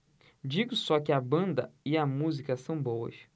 digo só que a banda e a música são boas